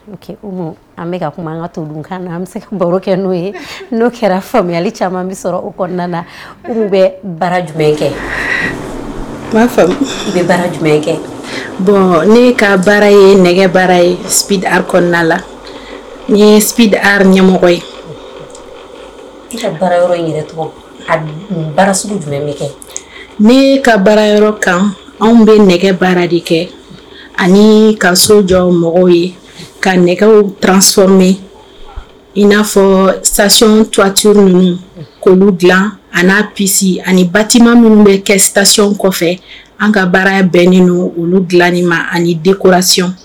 An bɛka kuma an bɛ se baro kɛ n'o ye n'o kɛra faamuya caman bɛ sɔrɔ u kɔnɔna la u bɛ bara jumɛn kɛ b'a u bɛ jumɛn kɛ bɔn ne ka baara yebarakla n ye ɲɛmɔgɔ ye ka bara jumɛn kɛ ne ka bara yɔrɔ kan anw bɛ nɛgɛ baara de kɛ ani ka so jɔ mɔgɔw ye ka nɛgɛ transo mɛn i n'a fɔ sayti ninnu k'olu dilan ani n'a p ani bati minnu bɛ kɛ sac kɔfɛ an ka baara bɛɛ n olu dilan nin ma ani dikorasiyon